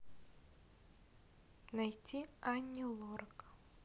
найти ани лорак